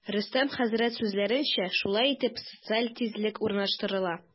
Рөстәм хәзрәт сүзләренчә, шулай итеп, социаль тигезлек урнаштырыла.